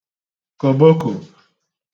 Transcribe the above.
kòbokò